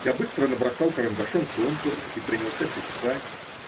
Я быстро набросал карандашом контур и принялся писать.